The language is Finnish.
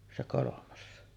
se kolmas